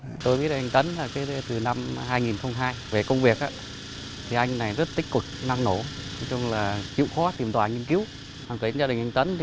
tôi biết anh tấn là từ năm hai nghìn không hai về công việc thì anh này rất tích cực năng nổ nói chung là chịu khó tìm tòi nghiên cứu hoàn cảnh gia đình anh tấn